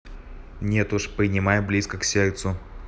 нет уж принимай близко к сердцу